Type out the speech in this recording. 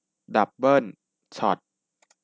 ดับเบิ้ลช็อต